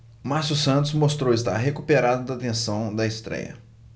márcio santos mostrou estar recuperado da tensão da estréia